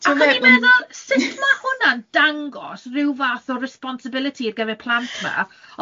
Ac, o'n i'n meddwl sut ma' hwnna'n dangos ryw fath o responsibility ar gyfer plant 'ma,